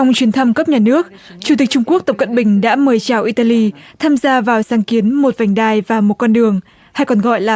trong chuyến thăm cấp nhà nước chủ tịch trung quốc tập cận bình đã mời chào i ta ly tham gia vào sáng kiến một vành đai và một con đường hay còn gọi là